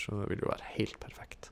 Så det vil jo være heilt perfekt.